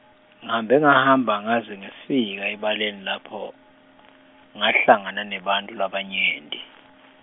ngihambe ngahamba ngaze ngefika ebaleni lapho, ngahlangana nebantfu labanyenti.